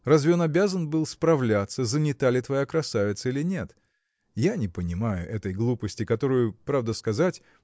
Разве он обязан был справляться, занята ли твоя красавица, или нет? Я не понимаю этой глупости которую правду сказать